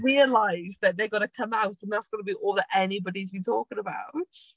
realise that they're gonna come out, and that's gonna be all that anybody's been talking about.